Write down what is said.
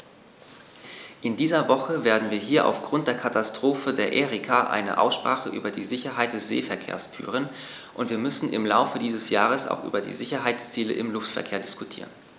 In dieser Woche werden wir hier aufgrund der Katastrophe der Erika eine Aussprache über die Sicherheit des Seeverkehrs führen, und wir müssen im Laufe dieses Jahres auch über die Sicherheitsziele im Luftverkehr diskutieren.